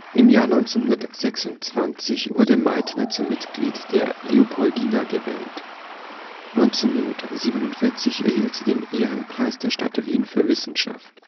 Im Jahr 1926 wurde Meitner zum Mitglied der Leopoldina gewählt. 1947 erhielt sie den Ehrenpreis der Stadt Wien für Wissenschaft